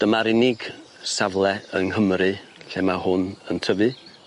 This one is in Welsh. Dyma'r unig safle yng Nghymru lle ma' hwn yn tyfu.